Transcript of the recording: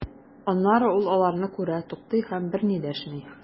Аннары ул аларны күрә, туктый һәм берни дәшми.